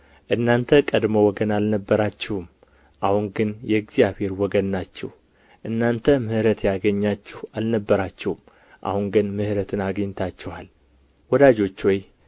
እናንተ ቀድሞ ወገን አልነበራችሁም አሁን ግን የእግዚአብሔር ወገን ናችሁ እናንተ ምሕረት ያገኛችሁ አልነበራችሁም አሁን ግን ምሕረትን አግኝታችኋል ወዳጆች ሆይ